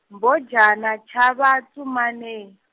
Mbhojana chava tsumani.